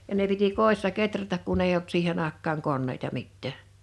ja ne piti kodissa kehrätä kun ei ollut siihen aikaan koneita mitään